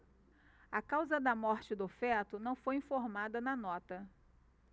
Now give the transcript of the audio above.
a causa da morte do feto não foi informada na nota